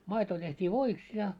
maito tehtiin voiksi ja